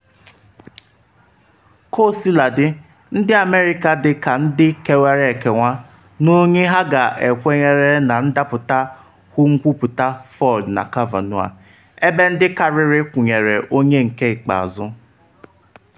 Kaosiladị, Ndị America dị ka ndị kewara ekewa n’onye ha ga-ekwenyere na ndapụta nkwuputa Ford na Kavanaugh, ebe ndị karịrị kwụnyere onye nke ikpeazụ.